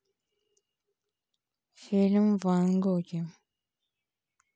фильм ван гоги